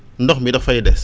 ndox mi daf fay des